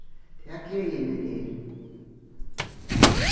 tað gleði eg meg til